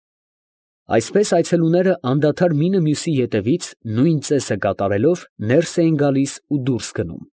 Այսպես այցելուները անդադար մինը մյուսի ետևից, նույն ծեսը կատարելով, ներս էին գալիս ու դուրս գնում։